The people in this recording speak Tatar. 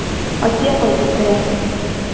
Асия кайтып керә.